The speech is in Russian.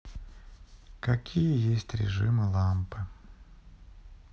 какие есть режимы лампы